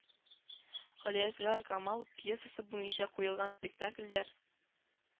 Галиәсгар Камал пьесасы буенча куелган спектакльләр